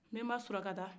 nbenba sulakata